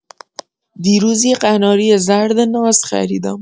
دیروز یه قناری زرد ناز خریدم.